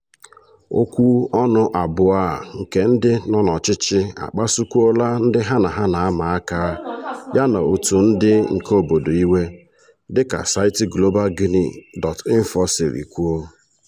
Okwu ọnụ abụọ a nke ndị nọ n'ọchịchị akpasukwuola ndị ha na ha na-ama aka yana òtù ndị nke obodo iwe, dị ka saịti globalguinee.info siri kwuo: